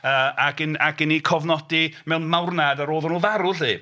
Yy ac yn ac yn eu cofnodi mewn marwnad ar ôl iddyn nhw farw 'lly.